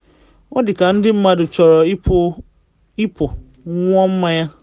Ọ dị ka ndị mmadụ chọrọ ịpụ ṅwụọ mmanya.